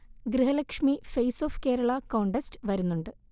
Grihalakshmi face of Kerala contest വരുന്നുണ്ട്